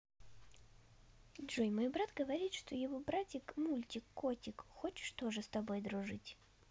джой мой брат говорит что его братик мультик котик хочешь тоже с тобой дружить